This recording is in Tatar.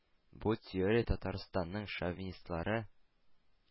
Бу теория татарстанның шовинистлары,